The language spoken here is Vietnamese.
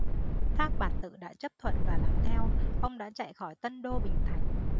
thác bạt tự đã chấp thuận và làm theo ông đã chạy khỏi tân đô bình thành